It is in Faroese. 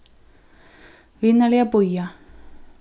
vinarliga bíða